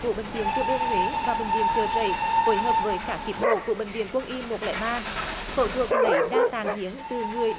của bệnh viện trung ương huế và bệnh viện chợ rẫy phối hợp với cả kíp mổ của bệnh viện quân y một lẻ ba phẫu thuật lấy đa tạng hiến từ người đã